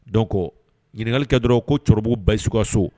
Donc ɲininkali kɛ dɔrɔn ko Cɔribugu bayisu ka so